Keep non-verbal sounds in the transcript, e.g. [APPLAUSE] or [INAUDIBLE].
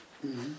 [HESITATION] [HESITATION]